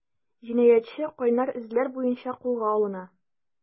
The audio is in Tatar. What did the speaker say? Җинаятьче “кайнар эзләр” буенча кулга алына.